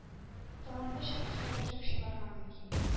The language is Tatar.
Талантлы шәхесләр үсеп чыгарга мөмкин.